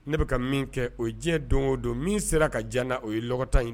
Ne bɛ ka min kɛ o ye diɲɛ don o don, min sera ka diya n na, o ye lɔgɔ ta in